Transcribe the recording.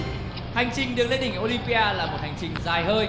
hành trình đường lên đỉnh ô lim bi a là một hành trình dài hơi